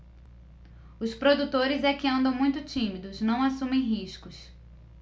os produtores é que andam muito tímidos não assumem riscos